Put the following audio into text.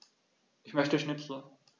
Ich möchte Schnitzel.